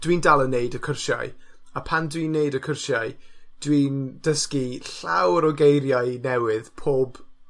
dwi'n dal yn neud y cwrsiau, a pan dwi'n neud y cwrsiau, dwi'n dysgu llawer o geiriau newydd pob